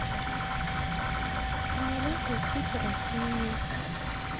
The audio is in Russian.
самолет летит в россию